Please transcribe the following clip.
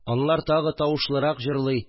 Анлар тагы тавышлырак җырлый